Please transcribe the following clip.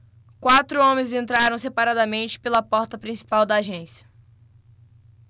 quatro homens entraram separadamente pela porta principal da agência